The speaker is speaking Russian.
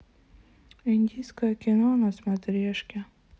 индийское кино на смотрешке